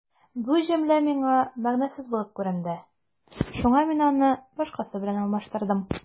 Бу җөмлә миңа мәгънәсез булып күренде, шуңа мин аны башкасы белән алмаштырдым.